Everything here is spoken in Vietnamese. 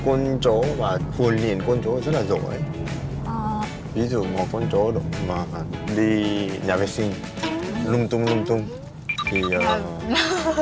con chó và huấn luyện con chó rất là giỏi ví dụ một con chó độ mà đi nhà vệ sinh lung tung lung tung thì